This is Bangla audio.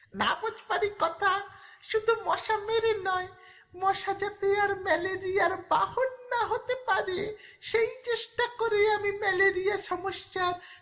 না বুঝবার ই কথা শুধু মশা মেরে নয় মশা যাতে আর ম্যালেরিয়ার বাহন না হতে পারে সেই চেষ্টা করে আমি ম্যালেরিয়া সমস্যার